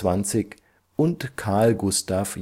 1827) und Carl Gustav